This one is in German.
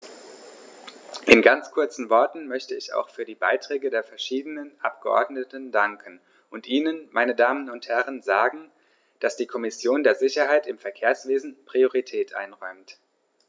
In ganz kurzen Worten möchte ich auch für die Beiträge der verschiedenen Abgeordneten danken und Ihnen, meine Damen und Herren, sagen, dass die Kommission der Sicherheit im Verkehrswesen Priorität einräumt.